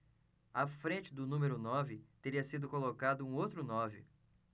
à frente do número nove teria sido colocado um outro nove